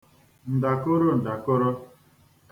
ǹdàkoroǹdàkoro